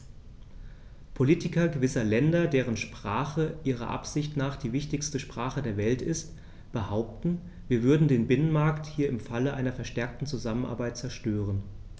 Politiker gewisser Länder, deren Sprache ihrer Ansicht nach die wichtigste Sprache der Welt ist, behaupten, wir würden den Binnenmarkt hier im Falle einer verstärkten Zusammenarbeit zerstören.